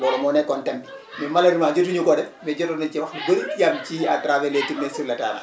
loolu moo nekkoon thème bi mais malheureusement jotuñu koo def mais jotoon nañu cee wax lu bëri li am ci à travers les les tournées sur le terrain